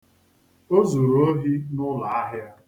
O zuru ohi n'ụlaahịa.